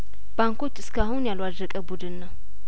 ባንኮች እስካሁን ያልዋዠቀ ቡድን ነው